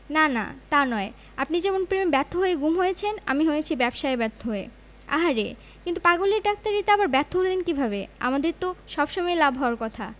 না না তা নয় আপনি যেমন প্রেমে ব্যর্থ হয়ে গুম হয়েছেন আমি হয়েছি ব্যবসায় ব্যর্থ হয়ে আহা রে কিন্তু পাগলের ডাক্তারিতে আবার ব্যর্থ হলেন কীভাবে আমাদের তো সব সময়ই লাভ হওয়ার কথা